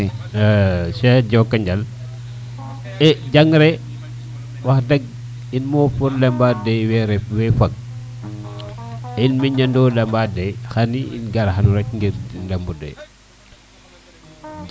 Ckheikh jokonjal e jangre wax deg i moof bo lemo de we ref we fag i miña do lema de